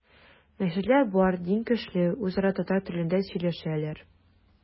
Мәчетләр бар, дин көчле, үзара татар телендә сөйләшәләр.